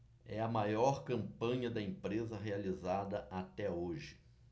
é a maior campanha da empresa realizada até hoje